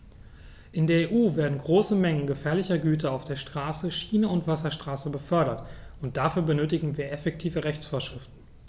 In der EU werden große Mengen gefährlicher Güter auf der Straße, Schiene und Wasserstraße befördert, und dafür benötigen wir effektive Rechtsvorschriften.